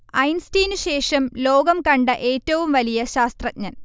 ഐൻസ്റ്റീന് ശേഷം ലോകം കണ്ട ഏറ്റവും വലിയ ശാസ്ത്രജ്ഞൻ